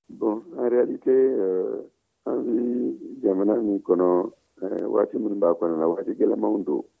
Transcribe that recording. bon en realite euh an bɛ jamana min kɔnɔ waati minnu b'a kɔnɔna na waati gɛlɛnmanw don